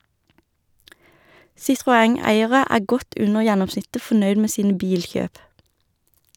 Citroën-eiere er godt under gjennomsnittet fornøyd med sine bilkjøp.